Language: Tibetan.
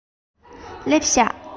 སླེབས བཞག